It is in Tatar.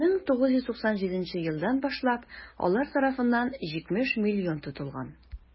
1997 елдан башлап алар тарафыннан 70 млн тотылган.